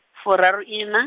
furaruiṋa.